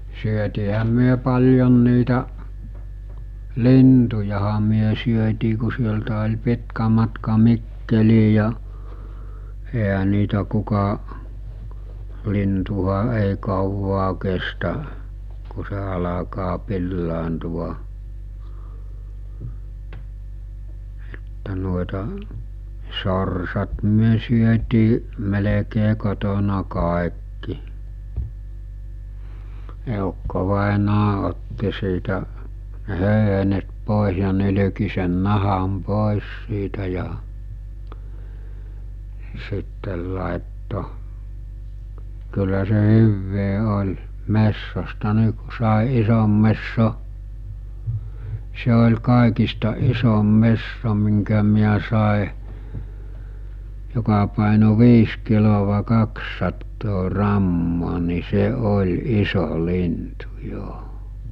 syötiinhän me paljon niitä lintujahan me syötiin kun sieltä oli pitkä matka Mikkeliin ja eihän niitä kuka lintuhan ei kauaa kestä kun se alkaa pilaantua että noita sorsat me syötiin melkein kotona kaikki eukkovainaa otti siitä ne höyhenet pois ja nylki sen nahan pois siitä ja sitten laittoi kyllä se hyvää oli metsosta niin kun sai ison metson se oli kaikista isoin metso minkä minä sain joka painoi viisi kiloa kaksisataa grammaa niin se oli iso lintu jo